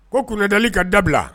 Ko kundali ka dabila